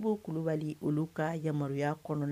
Kulubalibali olu ka yamaruyaya kɔnɔ